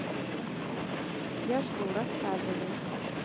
я жду рассказывай